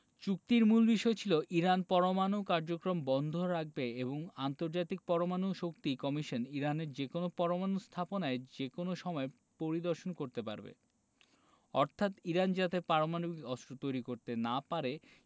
চুক্তির মূল বিষয় ছিল ইরান পরমাণু কার্যক্রম বন্ধ রাখবে এবং আন্তর্জাতিক পরমাণু শক্তি কমিশন ইরানের যেকোনো পরমাণু স্থাপনায় যেকোনো সময় পরিদর্শন করতে পারবে অর্থাৎ ইরান যাতে পারমাণবিক অস্ত্র তৈরি করতে না পারে